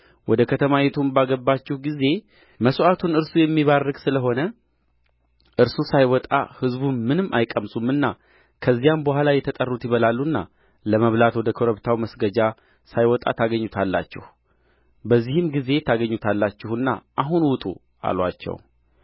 ወደ ከተማይቱም በገባችሁ ጊዜ መሥዋዕቱን እርሱ የሚባርክ ስለ ሆነ እርሱ ሳይወጣ ሕዝቡ ምንም አይቀምሱምና ከዚያም በኋላ የተጠሩት ይበላሉና ለመብላት ወደ ኮረብታው መስገጃ ሳይወጣ ታገኙታላችሁ በዚህም ጊዜ ታገኙታላችሁና አሁን ውጡ አሉአቸው